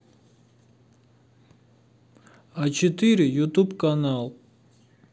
а четыре ютуб канал